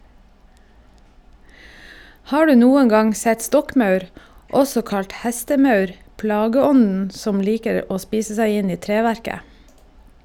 Har du noen gang sett stokkmaur, også kalt hestemaur, plageånden som liker å spise seg inn i treverket?